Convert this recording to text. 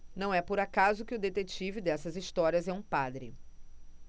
não é por acaso que o detetive dessas histórias é um padre